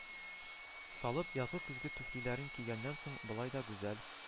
Салып, язгы-көзге туфлиләрен кигәннән соң, болай да гүзәл